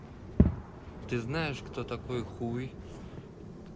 ты знаешь кто такой хуй